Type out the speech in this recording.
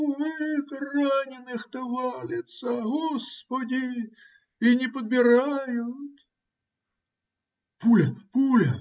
Эка раненых-то валится, господи! И не подбирают. - Пуля! Пуля!